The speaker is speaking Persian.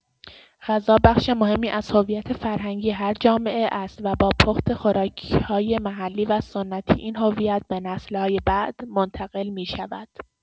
غذا بخش مهمی از هویت فرهنگی هر جامعه است و با پخت خوراک‌های محلی و سنتی، این هویت به نسل‌های بعد منتقل می‌شود.